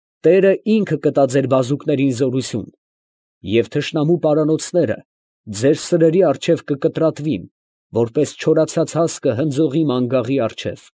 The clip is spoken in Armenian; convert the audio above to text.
Տերը ինքը կտա ձեր բազուկներին զորություն, և թշնամու պարանոցները ձեր սրերի առջև կկտրատվին, որպես չորացած հասկը հնձողի մանգաղի առջև։